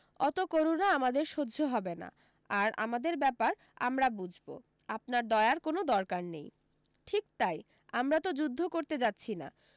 অত করুণা আমাদের সহ্য হবে না আর আমাদের ব্যাপার আমরা বুঝবো আপনার দয়ার কোনো দরকার নেই ঠিক তাই আমরা তো যুদ্ধ করতে যাচ্ছি না